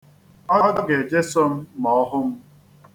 Ọ ga-ejeso m ma ọ hụ m.